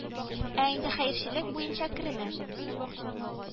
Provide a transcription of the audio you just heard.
Ә инде хәерчелек буенча кереме